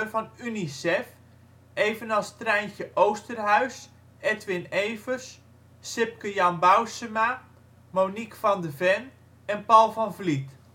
van Unicef, evenals Trijntje Oosterhuis, Edwin Evers, Sipke Jan Bousema, Monique van de Ven en Paul van Vliet